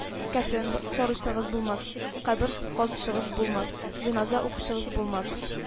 Кәфен саручыгыз булмас, кабер казучыгыз булмас, җеназа укучыгыз булмас